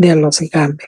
dèlósi Gambi.